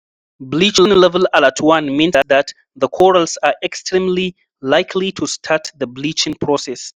Bleaching Level Alert One means that the corals are extremely likely to start the bleaching process.